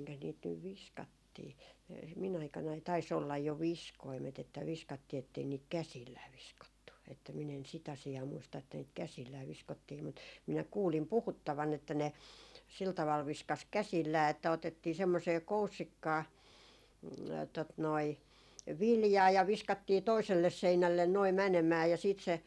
mitenkäs niitä nyt viskattiin - minun aikanani taisi olla jo viskoimet että viskattiin että ei niitä käsillään viskottu että minä en sitä asiaa muista että niitä käsillään viskottiin mutta minä kuulin puhuttavan että ne sillä tavalla viskasi käsillään että otettiin semmoiseen koussikkaan tuota noin viljaa ja viskattiin toiselle seinälle nuo menemään ja sitten se